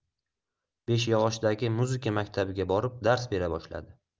beshyog'ochdagi muzika maktabiga borib dars bera boshladi